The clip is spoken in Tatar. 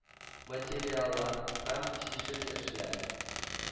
Материаллар һәм чишелешләр